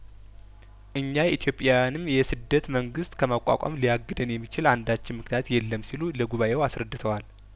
እኛ ኢትዮጵያውያንም የስደት መንግስት ከማቋቋም ሊያግደን የሚችል አንዳችም ምክንያት የለም ሲሉ ለጉባኤው አስረድተዋል